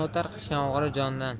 o'tar qish yomg'iri jondan